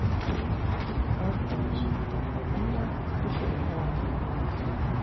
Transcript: Әз генә читтә калдыңмы – төшеп каласың дигән сүз.